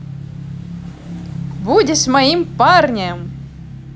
будешь моим парнем